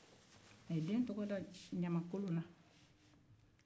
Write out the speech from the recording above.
a ye den tɔgɔ da ɲamankolon na